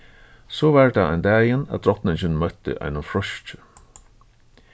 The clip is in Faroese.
so var tað ein dagin at drotningin møtti einum froski